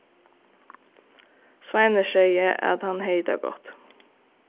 sveinur segði at hann hevði tað gott